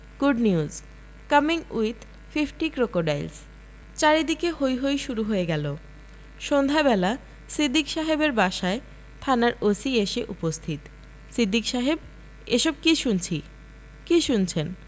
Good news. Coming with fifty crocodiles চারদিকে হৈ হৈ শুরু হয়ে গেল সন্ধ্যাবেলা সিদ্দিক সাহেবের বাসায় থানার ওসি এসে উপস্থিত 'সিদ্দিক সাহেব এসব কি শুনছি কি শুনছেন